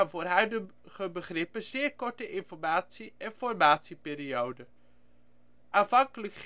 voor huidige begrippen zeer korte informatie - en formatieperiode. Aanvankelijk